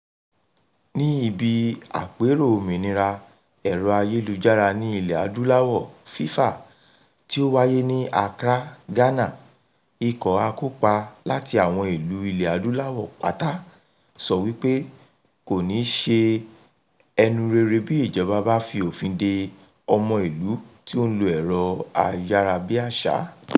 Ní ibi Àpérò Òmìnira Ẹ̀rọ-ayélujára ní Ilẹ̀-Adúláwọ̀ (FIFA) tí ó wáyé ní Accra, Ghana, ikọ̀ akópa láti àwọn ìlú ilẹ̀ Adúláwọ̀ pátá sọ wípé kò ní ṣe ẹnu rere bí ìjọba bá fi òfin de ọmọ-ìlú tí ó ń lo ẹ̀rọ-ayárabíaṣá.